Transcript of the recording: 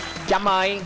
trâm ơi